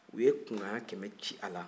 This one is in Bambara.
u ye kunkan ɲɛ kɛmɛ ci a la